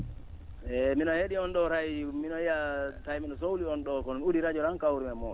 eeyi mbi?a he?ii on ?oo ray mbi?o wiya mbi?o sohli on ?oo ko mi udit radio ran kawrumi e moo?on